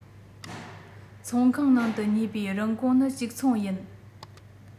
ཚོང ཁང ནང དུ ཉོས པའི རིན གོང ནི གཅིག མཚུངས ཡིན